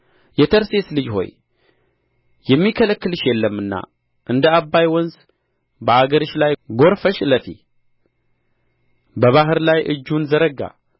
የተርሴስ ልጅ ሆይ የሚከለክልሽ የለምና እንደ ዓባይ ወንዝ በአገርሽ ላይ ጐርፈሽ እለፊ በባሕር ላይ እጁን ዘረጋ